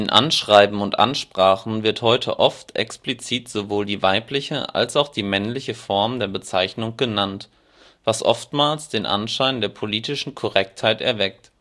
Anschreiben und Ansprachen wird heute oft explizit sowohl die weibliche als auch die männliche Form der Bezeichnung genannt, was oftmals den Anschein der " politischen Korrektheit " erweckt